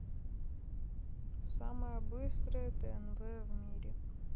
самое быстрое тнв в мире